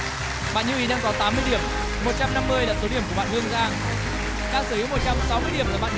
bạn như ý đang có tám mươi điểm một trăm năm mươi số điểm của bạn hương giang đang sở hữu một trăm sáu mươi điểm là bạn